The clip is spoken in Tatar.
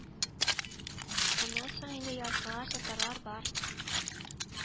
Аннан соң инде яртылаш татарлар бар